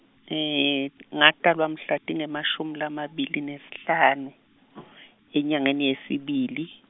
ngatalwa mhla tingemashumi lamabili nesihlanu , enyangeni yesibili.